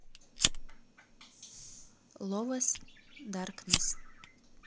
ловэс даркнесс